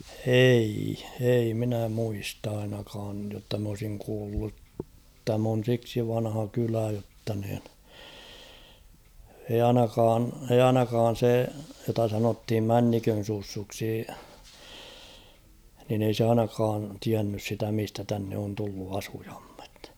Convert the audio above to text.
ei ei minä muista ainakaan jotta minä olisin kuullut tämä on siksi vanha kylä jotta niin ei ainakaan ei ainakaan se jota sanottiin Männikön Sussuksi niin ei se ainakaan tiennyt sitä mistä tänne on tullut asukkaat